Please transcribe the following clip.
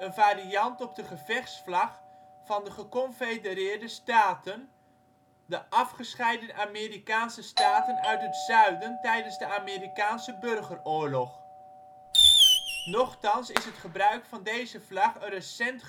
variant op de gevechtsvlag van de Geconfedereerde Staten, de afgescheiden Amerikaanse staten uit het zuiden tijdens de Amerikaanse Burgeroorlog. Nochtans is het gebruik van deze vlag een recent